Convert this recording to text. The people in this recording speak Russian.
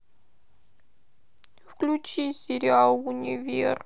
включи сериал универ